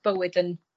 bywyd yn